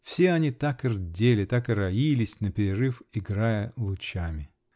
Все они так и рдели, так и роились, наперерыв играя лучами.